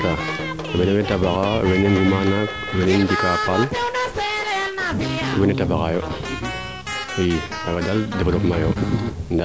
no ke i yond nuwa taa weeke tabaxa yo wee nguma wene njika paal wene tabaxaayo i kaaga daal ndefu ndef ma